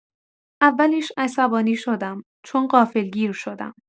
اولش عصبانی شدم، چون غافلگیر شدم.